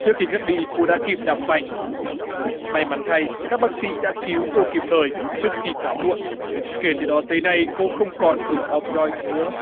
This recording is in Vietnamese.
trước khi ngất đi cô đã kịp đạp phanh may mắn thay các bác sĩ đã cứu cô kịp thời trước khi quá muộn kể từ đó tới nay cô không còn dùng ọp doi nữa